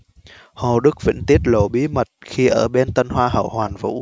hồ đức vĩnh tiết lộ bí mật khi ở bên tân hoa hậu hoàn vũ